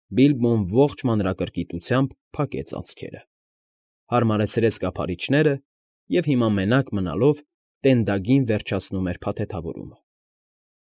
Բիլբոն ողջ մանրակրկիտությամբ փակեց անցքերը, հարմարեցրեց կափարիչները և հիմա, մենակ մնալով, տենդագին վերջացնում էր փաթեթավորումը։